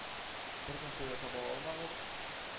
Бер нәрсә дә таба алмагач: